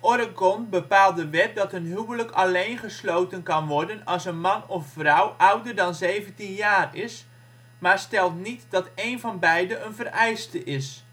Oregon bepaalt de wet dat een huwelijk alleen gesloten kan worden als een man of vrouw ouder dan 17 jaar is, maar stelt niet dat één van beide een vereiste is.